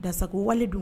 Dasa wale dun